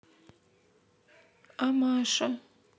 а маша